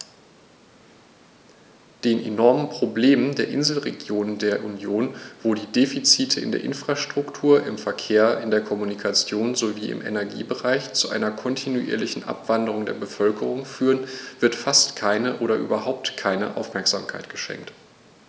Den enormen Problemen der Inselregionen der Union, wo die Defizite in der Infrastruktur, im Verkehr, in der Kommunikation sowie im Energiebereich zu einer kontinuierlichen Abwanderung der Bevölkerung führen, wird fast keine oder überhaupt keine Aufmerksamkeit geschenkt.